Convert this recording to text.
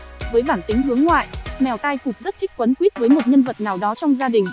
với bản tính hướng ngoại mèo tai cụp rất thích quấn quýt với một nhân vật nào đó trong gia đình